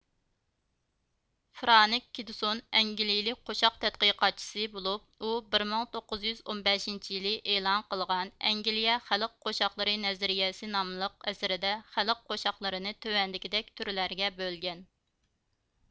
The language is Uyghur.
فرانك كىدسون ئەنگىلىيىلىك قوشاق تەتقىقاتچىسى بولۇپ ئۇ بىر مىڭ توققۇز يۈز ئون بەشنچى يىلى ئېلان قىلغان ئەنگىلىيە خەلق قوشاقلىرى نەزەرىيىسى ناملىق ئەسىرىدە خەلق قوشاقلىرىنى تۆۋەندىكىدەك تۈرلەرگە بۆلگەن